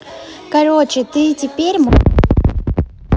короче ты теперь мой друг